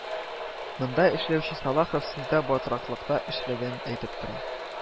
Монда эшләүче Салахов сездә батраклыкта эшләгәнен әйтеп тора